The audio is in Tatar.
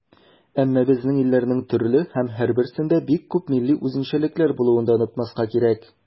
Әмма безнең илләрнең төрле һәм һәрберсендә бик күп милли үзенчәлекләр булуын да онытмаска кирәк.